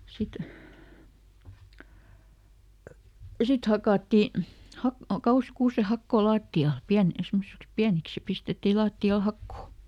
sitten ja sitten hakattiin - kauheasti kuusenhakoa lattialle - semmoisiksi pieniksi ja pistettiin lattialle hakoa